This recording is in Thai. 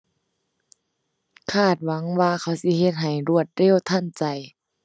คาดหวังว่าเขาสิเฮ็ดให้รวดเร็วทันใจ